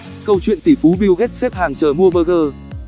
câu chuyện tỷ phú bill gates xếp hàng chờ mua burger